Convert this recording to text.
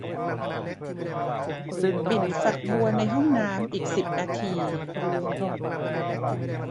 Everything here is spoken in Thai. ปิดฝักบัวในห้องน้ำอีกสิบนาที